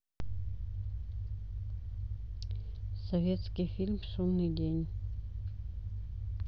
советский фильм шумный день